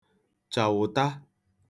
chàwụ̀ta